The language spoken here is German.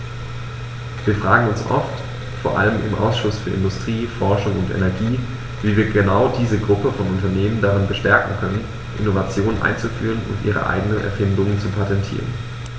Wir fragen uns oft, vor allem im Ausschuss für Industrie, Forschung und Energie, wie wir genau diese Gruppe von Unternehmen darin bestärken können, Innovationen einzuführen und ihre eigenen Erfindungen zu patentieren.